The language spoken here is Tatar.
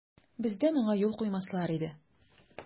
Бездә моңа юл куймаслар иде.